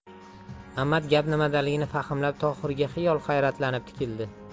mamat gap nimadaligini fahmlab tohirga xiyol hayratlanib tikildi